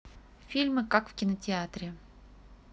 фильмы как в кинотеатре